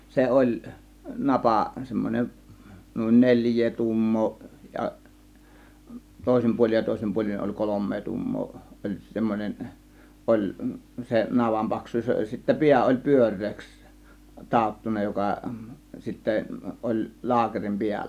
se oli napa semmoinen niin neljää tuumaa ja toisin puolin ja toisin puolin oli kolme tuumaa oli semmoinen oli se navan paksuus oli ja sitten pää oli pyöreäksi taottu joka sitten oli laakerin päällä